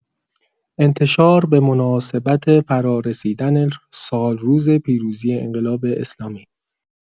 انتشار به مناسبت فرارسیدن سالروز پیروزی انقلاب اسلامی